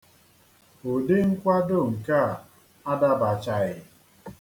Ụdị nkwado nke a adabachaghị.